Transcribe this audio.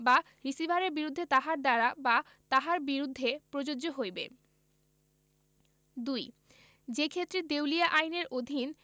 বা রিসিভারের বিরুদ্ধে তাহার দ্বারা বা তাহার বিরুদ্ধে প্রযোজ্য হইবে ২ যেইক্ষেত্রে দেউলিয়া আইন এর অধীন